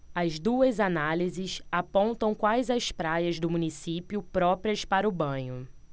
as duas análises apontam quais as praias do município próprias para banho